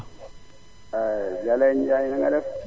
Jalle Ndiaye nanga def